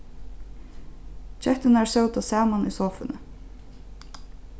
ketturnar sótu saman í sofuni